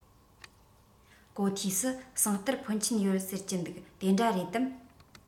གོ ཐོས སུ ཟངས གཏེར འཕོན ཆེན ཡོད ཟེར གྱི འདུག དེ འདྲ རེད དམ